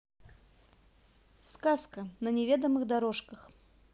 сказка на неведомых дорожках